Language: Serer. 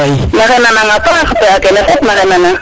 maxey nanang a paax kene fop maxey nanan